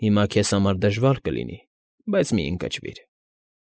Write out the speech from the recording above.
Հիմա քեզ համար դժվար կլինի, բայց մի՛ ընկճվիր։